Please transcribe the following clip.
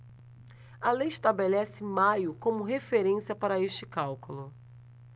a lei estabelece maio como referência para este cálculo